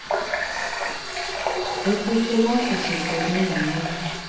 выключи лампу через одну минуту